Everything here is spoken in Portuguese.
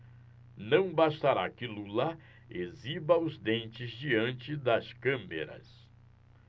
não bastará que lula exiba os dentes diante das câmeras